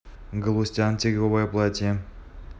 галустян тигровое платье